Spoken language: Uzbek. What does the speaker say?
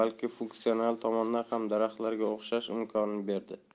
balki funksional tomondan ham daraxtlarga o'xshash imkonini berdi